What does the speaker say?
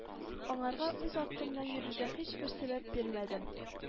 Аңарга үз артымнан йөрергә һичбер сәбәп бирмәдем